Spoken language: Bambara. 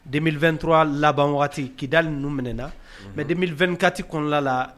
Den2t labanban waati kida n ninnu minɛɛna mɛ den2kanti kɔnɔna la